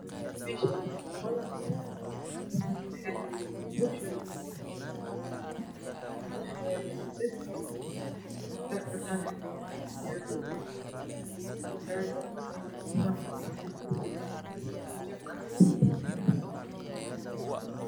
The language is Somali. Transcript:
Meeshaan waa qol waxaa joogo gabdho shan ah waxaa yaalo miisas xijaabo cadaan ah ayay wataan. Gabadhaan labo diseyn ayay wataa qof kale ayay kudhagan tahay oo xijaabka cad.